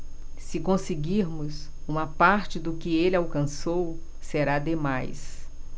se conseguirmos uma parte do que ele alcançou será demais